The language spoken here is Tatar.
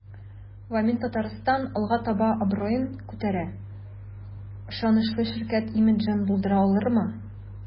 "вамин-татарстан” алга таба абруен күтәрә, ышанычлы ширкәт имиджын булдыра алырмы?